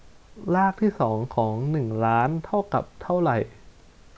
รากที่สองของหนึ่งล้านเท่ากับเท่าไหร่